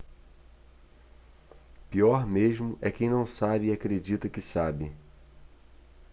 pior mesmo é quem não sabe e acredita que sabe